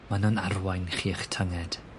ma' nw'n arwain chi i'ch tynged.